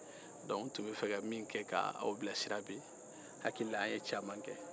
n tun b'a fɛ ka aw bilasira ni min ye bi n hakili la an ye caman kɛ